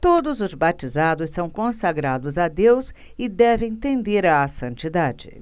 todos os batizados são consagrados a deus e devem tender à santidade